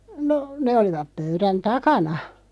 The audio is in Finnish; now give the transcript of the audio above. no ne olivat pöydän takana